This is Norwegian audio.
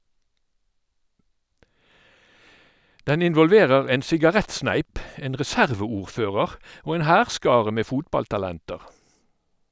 Den involverer en sigarettsneip, en reserveordfører og en hærskare med fotballtalenter.